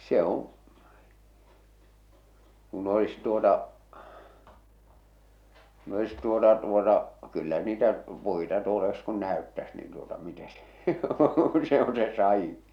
se on kun olisi tuota kun olisi tuota tuota kyllä niitä puita tuolla olisi kun näyttäisi niin tuota miten se se on se sadin